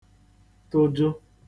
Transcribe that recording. tụjụ